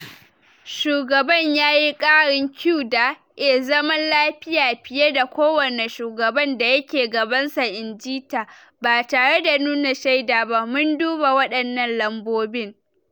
"Shugaban ya yi karin Q & A zaman lafiya fiye da kowane shugaban da yake gabansa," inji ta, ba tare da nuna shaida ba: "Mun duba wadannan lambobin."